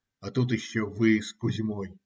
а тут еще вы с Кузьмой.